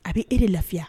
A bɛ e de lafiya